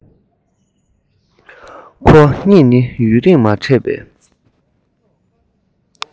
ཁོ གཉིས ནི ཡུན རིང མ འཕྲད པའི